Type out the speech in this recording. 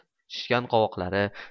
shishgan qovoqlari